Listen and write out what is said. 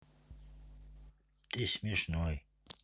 ты смешной